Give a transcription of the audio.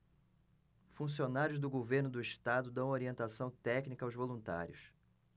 funcionários do governo do estado dão orientação técnica aos voluntários